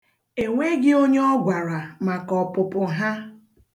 E nweghị onye ọ gwara maka ọpụpụ ha.